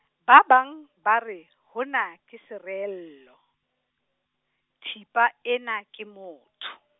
ba bang ba re, hona ke sereello, thipa ena ke motho.